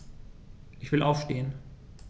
Ich will aufstehen.